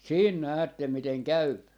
siinä näette miten käy